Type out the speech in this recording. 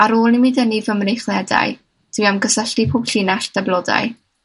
ar ôl i mi dynnu fy mreichledau, dwi am gysylltu pob llinell 'da blodau,